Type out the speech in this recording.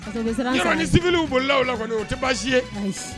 yɔrɔ ni civil bolila o la o tɛ baasi ye